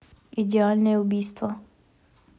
идеальное убийство